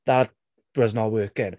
That was not working.